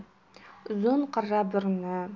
uzun qirra burni